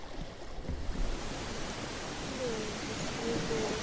ногу свело